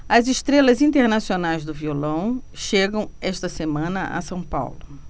as estrelas internacionais do violão chegam esta semana a são paulo